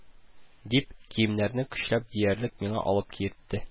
– дип, киемнәрне көчләп диярлек миңа алып киертте